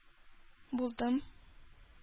Булдым